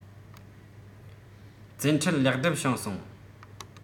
བཙན ཁྲིད ལེགས འགྲུབ བྱུང སོང